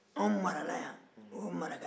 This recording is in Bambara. anw marala yan o de ye maraka ye